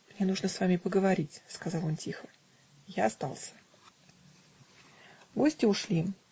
"Мне нужно с вами поговорить", -- сказал он тихо. Я остался. Гости ушли